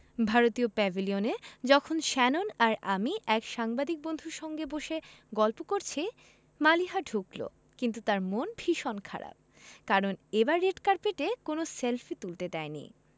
ভারতীয় প্যাভিলিয়নে যখন শ্যানন আর আমি এক সাংবাদিক বন্ধুর সাথে বসে গল্প করছি মালিহা ঢুকলো কিন্তু তার মন ভীষণ খারাপ কারণ এবার রেড কার্পেটে কোনো সেলফি তুলতে দেয়নি